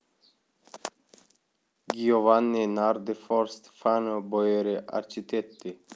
giovanni nardi for stefano boeri architetti